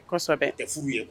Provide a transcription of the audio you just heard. Kɔsa furuu ye